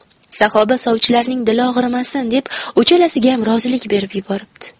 saxoba sovchilarning dili og'rimasin deb uchalasigayam rozilik berib yuboribdi